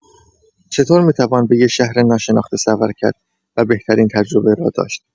چه‌طور می‌توان به یک شهر ناشناخته سفر کرد و بهترین تجربه را داشت؟